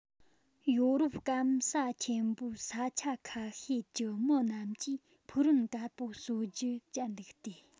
ཡོ རོབ སྐམ ས ཆེན པོའི ས ཆ ཁ ཤས ཀྱི མི རྣམས ཀྱིས ཕུག རོན དཀར པོ གསོ རྒྱུ བཅད འདུག སྟེ